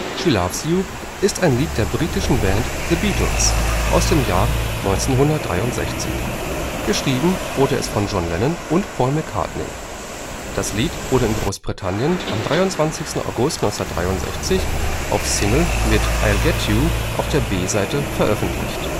She Loves You ist ein Lied der britischen Band The Beatles aus dem Jahr 1963. Geschrieben wurde es von John Lennon und Paul McCartney. Das Lied wurde in Großbritannien am 23. August 1963 auf Single mit I’ ll Get You auf der B-Seite veröffentlicht